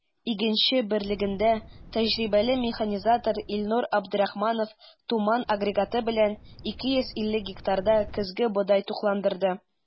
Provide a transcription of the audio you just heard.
“игенче” берлегендә тәҗрибәле механизатор илнур абдрахманов “туман” агрегаты белән 250 гектарда көзге бодай тукландырды.